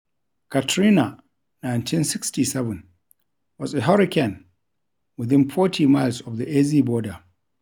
Katrina (1967) was a hurricane within 40 miles of the AZ border."